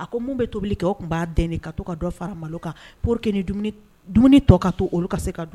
A ko mun bɛ tobili kɛ tun' ka to fara kan poro que dumuni to ka to olu ka se ka